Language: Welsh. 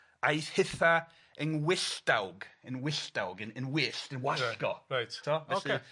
aeth hitha yngwylldawg yngwylldawg yn yn wyllt yn wallgo. Reit. T'wel? Ocê. Felly